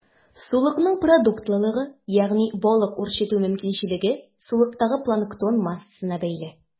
Сулыкның продуктлылыгы, ягъни балык үрчетү мөмкинчелеге, сулыктагы планктон массасына бәйле.